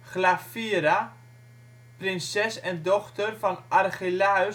Glaphyra, prinses en dochter van Archelaüs